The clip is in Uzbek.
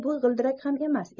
bu g'ildirak ham emas